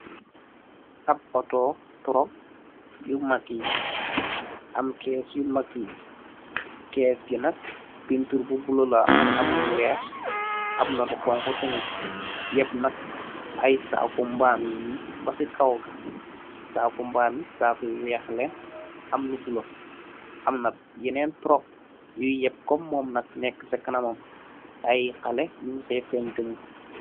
Ahbb autor truck yu mak yii, am case yu mak yii, case gui nak peintur bu blue la am, am lu wekh, amna lu honhu tamit, yehp nak aiiy saaku mbam yii beh cii kaw gah, saaku mbam yii saaku yu wekh len, am lu bleu, amna yenenn truck yui yehpp kom mom nak nekue cii kanamam, aiiy haleh njung sehh fengh tamit.